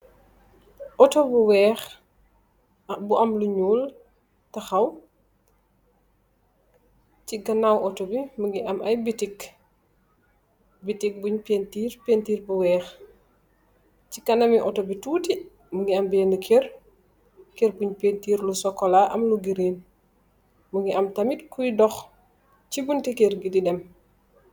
auto bu weex bu am luñuul taxaw ci ganaaw auto bi mi ngi am ay bitik. bitik buñ pntiir péntiir bu weex ci kanami auto bi tuuti mi ngi am bénn ker ker buñ péntiir lu sokola am lu gireen . mu ngi am tamit kuy dox ci bunti ker gi di dem